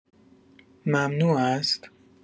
ممنوع است؟